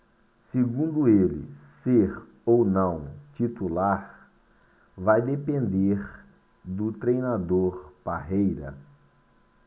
segundo ele ser ou não titular vai depender do treinador parreira